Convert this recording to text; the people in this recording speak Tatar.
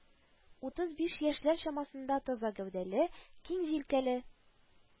Утыз биш яшьләр чамасындагы таза гәүдәле, киң җилкәле